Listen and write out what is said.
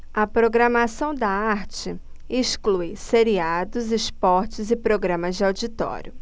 a programação da arte exclui seriados esportes e programas de auditório